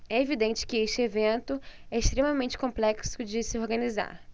é evidente que este evento é extremamente complexo de se organizar